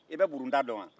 i bɛ burunta dɔn wa